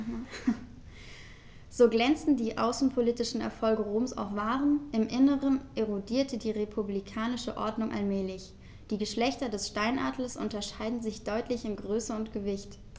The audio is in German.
So glänzend die außenpolitischen Erfolge Roms auch waren: Im Inneren erodierte die republikanische Ordnung allmählich. Die Geschlechter des Steinadlers unterscheiden sich deutlich in Größe und Gewicht.